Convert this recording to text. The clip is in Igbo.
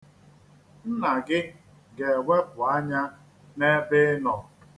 Nna gị ga-ewepụ anya n'ebe ị nọ.